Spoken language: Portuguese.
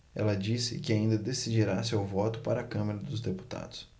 ela disse que ainda decidirá seu voto para a câmara dos deputados